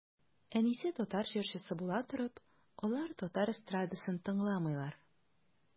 Әнисе татар җырчысы була торып, алар татар эстрадасын тыңламыйлар.